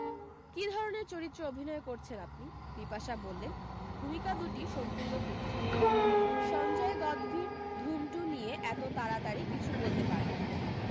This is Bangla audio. কী ধরণের চরিত্রে অভিনয় করছেন আপনি বিপাশা বললেন ভূমিকা দুটি সম্পূর্ণ পৃথক সঞ্জয় গদভির ধুম টু নিয়ে এত তাড়াতাড়ি কিছু বলতে পারব না